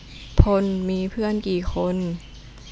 พลมีเพื่อนกี่คน